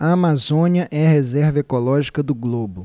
a amazônia é a reserva ecológica do globo